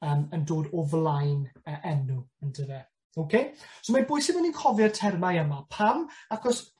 yym yn dod o flaen yy enw on'd yfe? Oce? So mae'n bwysig bo' ni'n cofio y termau yma. Pam? Acos